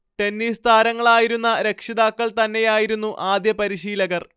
tennis താരങ്ങളായിരുന്ന രക്ഷിതാക്കൾ തന്നെയായിരുന്നു ആദ്യപരിശീലകർ